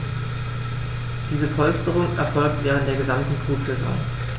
Diese Polsterung erfolgt während der gesamten Brutsaison.